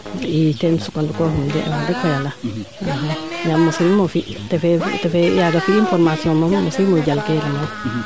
i ten sukandikoorum de wax deg fa yala yaam mosinumo fi tefee yaga fi'iim formation mosiimo jal keene moom